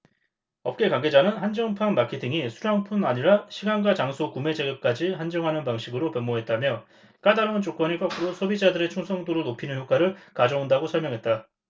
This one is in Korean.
업계 관계자는 한정판 마케팅이 수량뿐 아니라 시간과 장소 구매자격까지 한정하는 방식으로 변모했다며 까다로운 조건이 거꾸로 소비자들의 충성도를 높이는 효과를 가져온다고 설명했다